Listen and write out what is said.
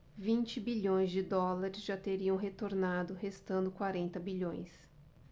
vinte bilhões de dólares já teriam retornado restando quarenta bilhões